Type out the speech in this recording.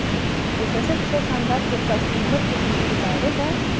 u shosha pisha sandal ko'rpasining bir chetini ko'tardi da